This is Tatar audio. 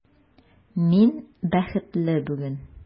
Мин бәхетле бүген!